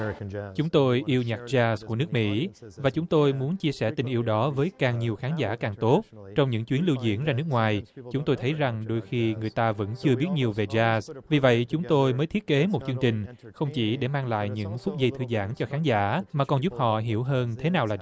chúng tôi yêu nhạc cha của nước mỹ và chúng tôi muốn chia sẽ tình yêu đó với càng nhiều khán giả càng tốt trong những chuyến lưu diễn ra nước ngoài chúng tôi thấy rằng đôi khi người ta vẫn chưa biết nhiều về cha vì vậy chúng tôi mới thiết kế một chương trình không chỉ để mang lại những phút giây thư giãn cho khán giả mà còn giúp họ hiểu hơn thế nào là